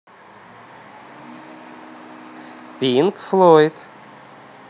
pink floyd